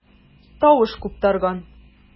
Тавыш куптарган.